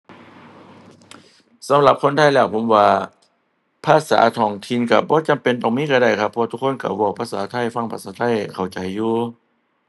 สำหรับคนไทยแล้วผมว่า ภาษาท้องถิ่นก็บ่จำเป็นต้องมีก็ได้ครับ เพราะว่าทุกคนก็เว้าภาษาไทย ฟังภาษาไทยเข้าใจอยู่